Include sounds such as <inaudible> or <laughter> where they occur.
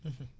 <hesitation> <hesitation>